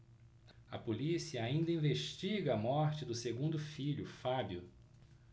a polícia ainda investiga a morte do segundo filho fábio